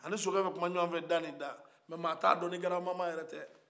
a ni sokɛ bɛ kuma ɲɔgɔnfɛ da ani da nka mɔgɔ tɛ a don ni graba yɛrɛ tɛ